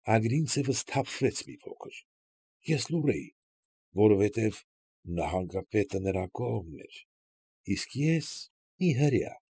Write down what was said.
Ագրինցևը սթափվեց մի փոքր։ Ես լուռ էի, որովհետև նահանգապետը նրա կողմն էր, իսկ ես մի հրեա։